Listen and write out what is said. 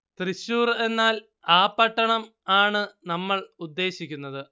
തൃശ്ശൂർ എന്നാൽ ആ പട്ടണം ആണ് നമ്മൾ ഉദ്ദേശിക്കുന്നത്